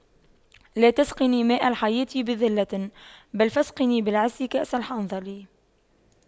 لا تسقني ماء الحياة بذلة بل فاسقني بالعز كأس الحنظل